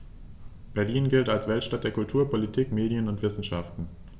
Berlin gilt als Weltstadt der Kultur, Politik, Medien und Wissenschaften.